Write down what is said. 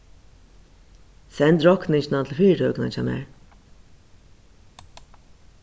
send rokningina til fyritøkuna hjá mær